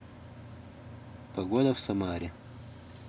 погода в самаре